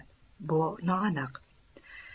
bu noaniq